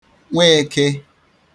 Nweeke